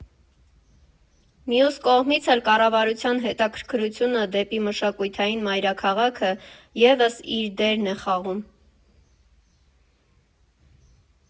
Մյուս կողմից էլ՝ կառավարության հետաքրքրությունը դեպի մշակութային մայրաքաղաքը ևս իր դերն է խաղում։